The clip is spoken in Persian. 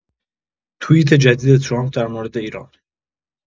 توییت جدید ترامپ در مورد ایران